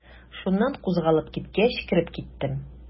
Шуннан кузгалып киткәч, кереп киттем.